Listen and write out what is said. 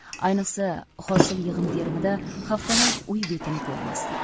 ayniqsa hosil yig'im terimida haftalab uy betini ko'rmasdik